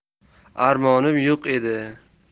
armonim yo'q edi